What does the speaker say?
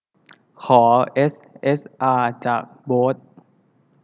ขอเอสเอสอาจากโบ๊ท